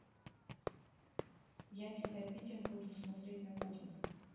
я тебя петер буду смотреть на кухне